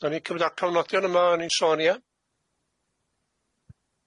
'Dan ni'n cymryd ân'r cofnodion yma o'n i'n sôn ia?